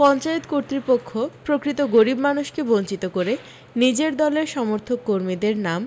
পঞ্চায়েত কর্তৃপক্ষ প্রকৃত গরিব মানুষকে বঞ্চিত করে নিজের দলের সমর্থক কর্মীদের নাম